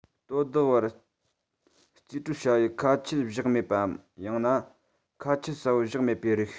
དོ བདག བར རྩིས སྤྲོད བྱ ཡུལ ཁ ཆད བཞག མེད པའམ ཡང ན ཁ ཆད གསལ པོ བཞག མེད པའི རིགས